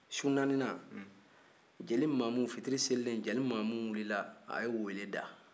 su naaninan na jeli mamu fitiri selilen jeli mamu wulila a weele da